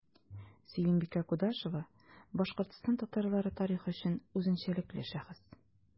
Сөембикә Кудашева – Башкортстан татарлары тарихы өчен үзенчәлекле шәхес.